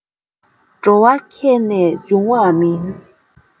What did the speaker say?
འགྲོ བ མཁས ནས བྱུང བ མིན